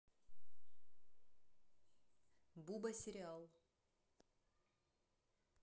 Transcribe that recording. буба сериал